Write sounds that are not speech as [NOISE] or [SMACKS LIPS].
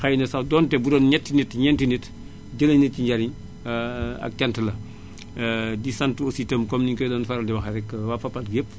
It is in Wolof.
xëy na sax donte bu doon ñetti nit ñenti nit jëlee nañu ci njariñ [HESITATION] ag cant la [SMACKS LIPS] [HESITATION] di sant aussi itam comme ni ñu ko doon faral di waxee [HESITATION] waa Fapal gi yépp [HESITATION]